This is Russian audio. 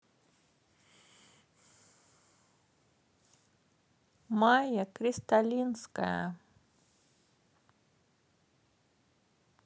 майя кристалинская